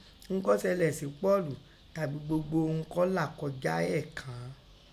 Ihun kọ́ sẹlẹ̀ si Poolu tabin gbogbo ihun kọ́ là koja ẹ́ẹ̀ kàn an.